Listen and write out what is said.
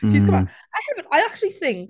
She's come out...a hefyd, I actually think...